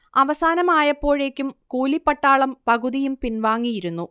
അവസാനമായപ്പോഴേക്കും കൂലിപ്പട്ടാളം പകുതിയും പിൻവാങ്ങിയിരുന്നു